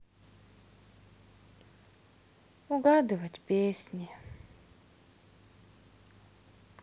угадывать песни